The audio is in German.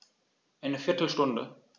Eine viertel Stunde